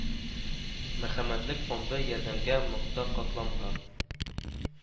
Мәрхәмәтлек фонды, ярдәмгә мохта катламга